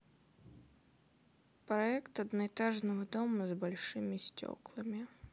проект одноэтажного дома с большими стеклами